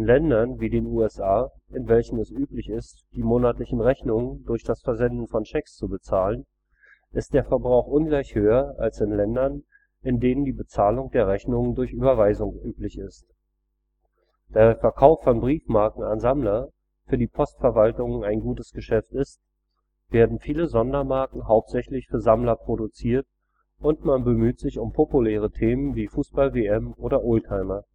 Ländern wie den USA, in welchen es üblich ist, die monatlichen Rechnungen durch das Versenden von Schecks zu bezahlen, ist der Verbrauch ungleich höher als in Ländern, in denen die Bezahlung der Rechnungen durch Überweisung üblich ist. Da der Verkauf von Briefmarken an Sammler für die Postverwaltungen ein gutes Geschäft ist, werden viele Sondermarken hauptsächlich für Sammler produziert und man bemüht sich um populäre Themen wie Fußball-WM oder Oldtimer